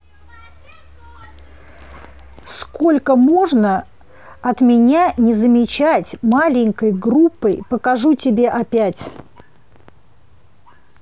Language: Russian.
сколько можно от меня не замечать маленькой группой покажу тебе опять